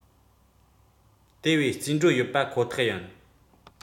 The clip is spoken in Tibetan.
དེ བས རྩིས འགྲོ ཡོད པ ཁོ ཐག ཡིན